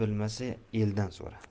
er bilmasa eldan so'ra